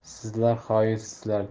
sizlar xoinlarsizlar